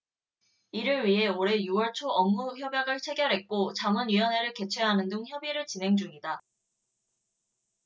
이를 위해 올해 유 월 초 업무협약을 체결했고 자문위원회를 개최하는 등 협의를 진행 중이다